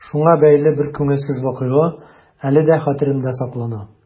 Шуңа бәйле бер күңелсез вакыйга әле дә хәтеремдә саклана.